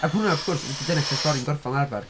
A hwnna wrth gwrs, dyna lle 'sa'r stori'n gorffen fel arfer.